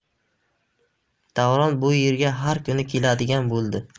davron bu yerga har kuni keladigan bo'ldi